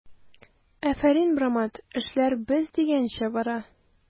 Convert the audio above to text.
Афәрин, брамат, эшләр без дигәнчә бара!